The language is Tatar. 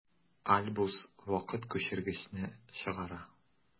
Альбус вакыт күчергечне чыгара.